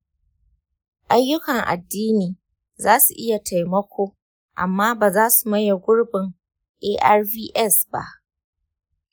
ayyukan addini zasu iya taimako amma bazasu maye gurbin arvs ba.